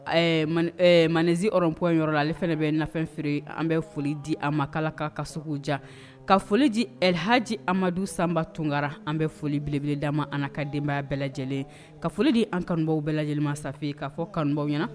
Ɛɛ manezi rond-point yɔrɔ la ale fana bi nafɛn feere. An bi foli di a ma . Ko Ala ka ka sugu diya. Ka foli di Ɛli Haji Amadu Sanba Tunkara ma , an bi foli belebele da ma a na ka denbaya bɛɛ lajɛlen ka foli di an kanubaw bɛɛ lajɛlen safi ka fɔ kanubaw ɲɛna